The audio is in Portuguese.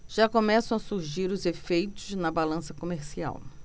já começam a surgir os efeitos na balança comercial